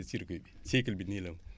circuit bi cycle bi nii la